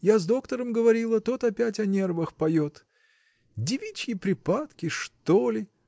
Я с доктором говорила, тот опять о нервах поет. Девичьи припадки, что ли?.